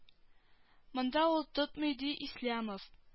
Монда ул тотмый ди ислямов